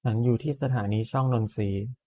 ฉันอยู่ที่สถานีช่องนนทรี